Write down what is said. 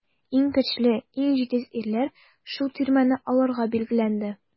Иң көчле, иң җитез ирләр шул тирмәне алырга билгеләнде.